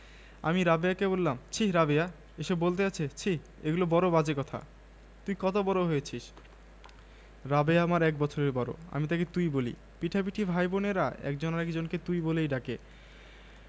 গত আগস্ট মাসে বাইশ হয়েছে তাকে সরাসরি এমন একটি কদৰ্য কথা কেউ বলতে পারে ভাবিনি আমি বললাম কে বলেছে আজ সকালে বলেছে কে সে ঐ যে লম্বা ফর্সা